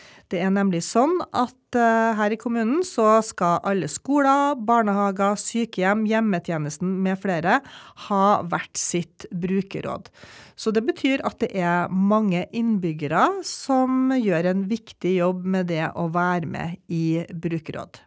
det er nemlig sånn at her i kommunen så skal alle skoler, barnehager, sykehjem, hjemmetjenesten med flere ha hvert sitt brukerråd, så det betyr at det er mange innbyggere som gjør en viktig jobb med det å være med i brukerråd.